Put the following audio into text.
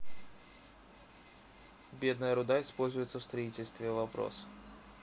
бедная руда используется в строительстве вопрос